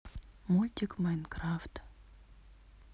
мультик майнкрафт